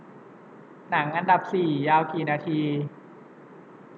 หนังอันดับสี่ยาวกี่นาที